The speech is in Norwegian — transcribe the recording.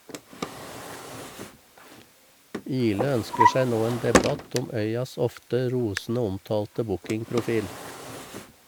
Ihle ønsker seg nå en debatt om Øyas ofte rosende omtalte bookingprofil.